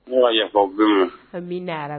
Mɔgɔ yafa bɛ an bɛ